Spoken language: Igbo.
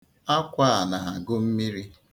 Akwa a nà-àgụ mmīrī.